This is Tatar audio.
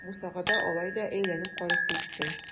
Бусагада алай да әйләнеп карыйсы иттем.